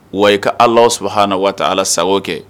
Wa i ka Alahu subahanahu wataala sago kɛ